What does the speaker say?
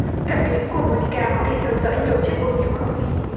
cảm biến của mô ni ca có thể theo dõi nhiều chất ô nhiễm không khí